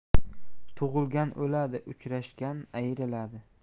tug'ilgan o'ladi uchrashgan ayriladi